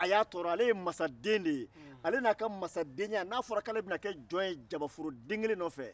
a y'a tɔɔrɔ ale ye mansaden de ye ale n'a ka mansadenya n'a fɔra k'ale bɛna kɛ jɔn ye jabaforo kelen nɔfɛ